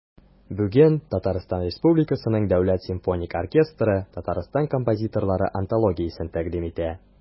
Бүген ТР Дәүләт симфоник оркестры Татарстан композиторлары антологиясен тәкъдим итә.